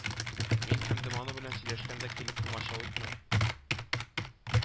Мин Хәмдебану белән сөйләшкәндә килеп комачау итмә